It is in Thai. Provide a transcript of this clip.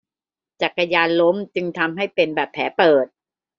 จักรยานล้มจึงทำให้เป็นบาดแผลเปิด